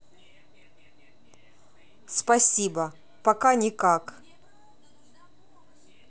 спасибо пока никак